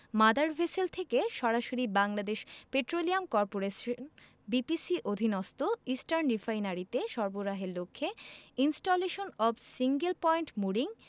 mother vessel থেকে সরাসরি Bangladesh petroleum corporation BPC অধীনস্থ ইস্টার্ন রিফাইনারিতে সরবরাহের লক্ষ্যে installation of single point mooring